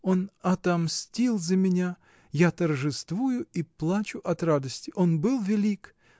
Он отмстил за меня, я торжествую и плачу от радости. Он был велик!